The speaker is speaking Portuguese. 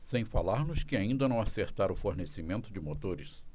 sem falar nos que ainda não acertaram o fornecimento de motores